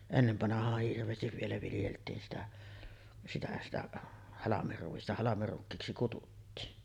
ennen vanhaan hirveästi vielä viljeltiin sitä sitä sitä halmeruista halmerukiiksi kutsuttiin